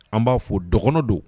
An b'a fo, dɔgɔnɔ don.